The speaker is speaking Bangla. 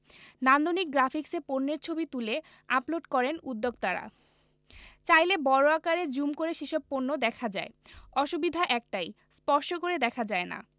নান্দনিক গ্রাফিকসে পণ্যের ছবি তুলে আপলোড করেন উদ্যোক্তারা চাইলে বড় আকারে জুম করে সেসব পণ্য দেখা যায় অসুবিধা একটাই স্পর্শ করে দেখা যায় না